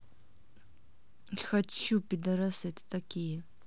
хочу пидарасы это такие